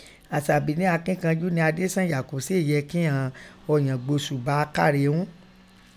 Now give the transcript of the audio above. Àṣàbí nẹ́ akinkanju nẹ Adesanya ko sèè yẹ kíghọn ọ̀ńyan gboṣùbà a káre ún.